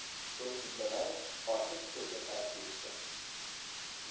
so'ng indamay ochiq cho'lga qarab yurishdi